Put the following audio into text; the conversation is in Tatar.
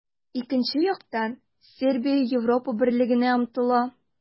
Икенче яктан, Сербия Европа Берлегенә омтыла.